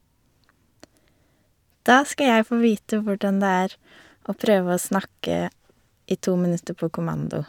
Da skal jeg få vite hvordan det er å prøve å snakke i to minutter på kommando.